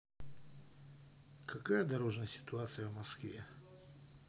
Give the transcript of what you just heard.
какая дорожная ситуация в москве